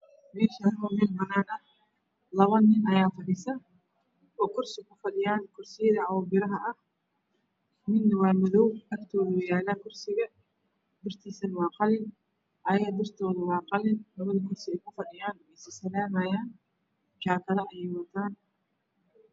Meshaani waa meel banaan ah labo laba nin ayaa fadhisa oo kursi ku fadhiyan kursi biraha ah midka waa madow agtoodu yala kursiya birtisana waa qalin ayaga birtodu waa qalin labada kur si ku fadhiyan waa isasalamayan jakado ayaa uxiran